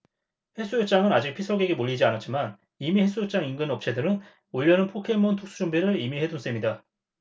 해수욕장은 아직 피서객이 몰리지 않았지만 이미 해수욕장 인근 업체들은 올 여름 포켓몬 특수 준비를 이미 해둔 셈이다